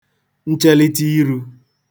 nchelịta irū